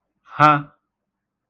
ha